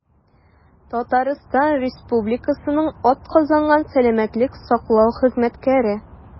«татарстан республикасының атказанган сәламәтлек саклау хезмәткәре»